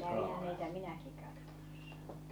kävinhän niitä minäkin katsomassa